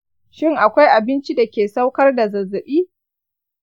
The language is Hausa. shin akwai abinci da ke saukar da zazzabi?